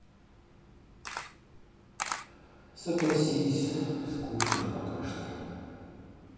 согласись скучно пока что